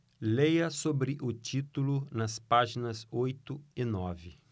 leia sobre o título nas páginas oito e nove